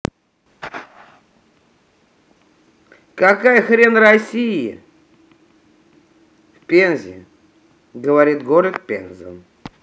какая нахрен россии в пензе говорит город пенза